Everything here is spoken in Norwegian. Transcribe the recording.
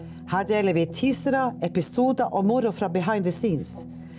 her deler vi teasere, episoder og moro fra .